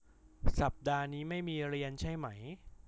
สัปดาห์นี้ไม่มีเรียนใช่ไหม